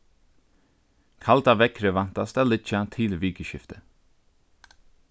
kalda veðrið væntast at liggja til vikuskiftið